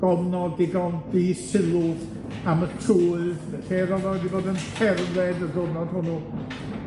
gofnod digon di sylw am y tywydd, lle ro'dd o wedi bod yn cerdded y diwrnod hwnnw,